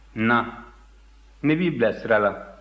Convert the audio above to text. na ne b'i bila sira la